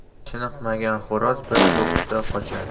chiniqmagan xo'roz bir cho'qishda qochar